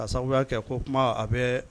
A sababuya kɛ ko kuma a bɛ